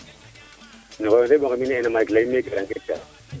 um xooy o seemro xemi ne'ena malick leyine